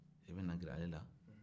e bɛ nata ale la